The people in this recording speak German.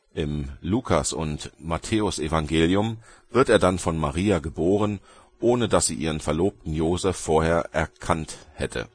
Im Lukas - und Matthäusevangelium wird er dann von Maria geboren, ohne dass sie ihren Verlobten Josef vorher ' erkannt ' hatte